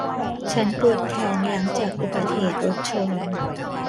ฉันปวดแขนหลังจากอุบัติเหตุรถชน